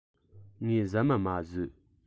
ངས ཟ མ མ ཟོས